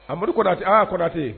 Amadu kɔnatɛ aa kɔnatɛ.